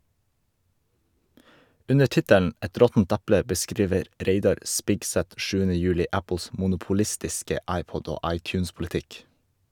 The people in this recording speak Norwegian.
Under tittelen "Et råttent eple" beskriver Reidar Spigseth 7. juli Apples monopolistiske iPod- og iTunes-politikk.